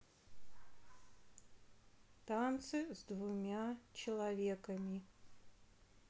танцы с двумя человеками